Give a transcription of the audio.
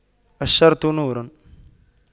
الشرط نور